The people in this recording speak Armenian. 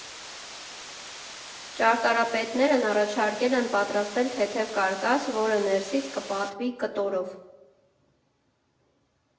Ճարտարապետներն առաջարկել են պատրաստել թեթև կարկաս, որը ներսից կպատվի կտորով։